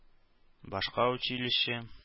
Башка училище